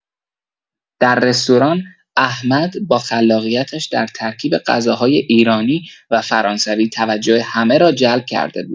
در رستوران، احمد با خلاقیتش در ترکیب غذاهای ایرانی و فرانسوی توجه همه را جلب کرده بود.